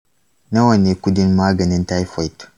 nawa ne kudin maganin typhoid?